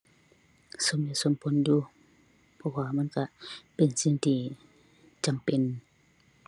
สมเหตุสมผลอยู่ เพราะว่ามันก็ เป็นสิ่งที่จำเป็น